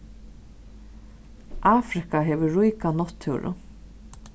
afrika hevur ríka náttúru